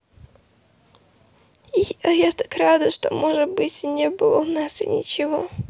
а я так рада что может быть и не было у нас и ничего